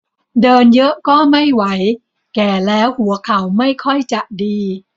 เดินเยอะก็ไม่ไหวแก่แล้วหัวเข่าไม่ค่อยจะดี